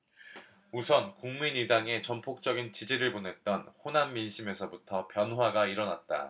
우선 국민의당에 전폭적인 지지를 보냈던 호남 민심에서부터 변화가 일어났다